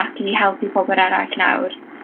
Ac i helpu pobol eraill nawr.